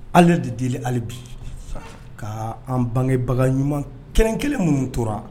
Ale de deli ale bi ka an bangebaga ɲuman kelen- kelen minnu tora